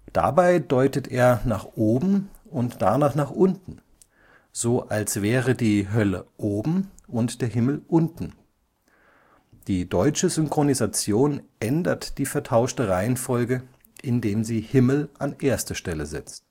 Dabei deutet er nach oben und danach nach unten, so als wäre die Hölle oben und der Himmel unten. Die deutsche Synchronisation ändert die vertauschte Reihenfolge, indem sie „ Himmel “an erste Stelle setzt